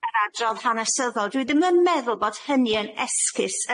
yr adrodd hanesyddol dwi ddim yn meddwl bod hynny yn esgus